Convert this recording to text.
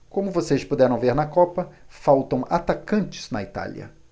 como vocês puderam ver na copa faltam atacantes na itália